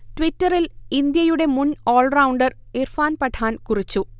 ട്വിറ്ററിൽ ഇന്ത്യയുടെ മുൻ ഓൾറൗണ്ടർ ഇർഫാൻ പഠാൻ കുറിച്ചു